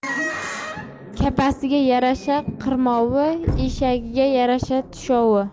kapasiga yarasha qirmovi eshagiga yarasha tushovi